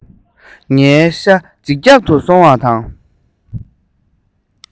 ངའི ཤ ཇེ རྒྱགས སུ སོང བ དང